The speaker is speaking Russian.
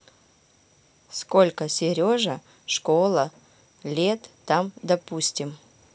сколько сережа школа лет там допустим